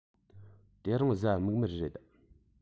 དེ རིང གཟའ མིག དམར རེད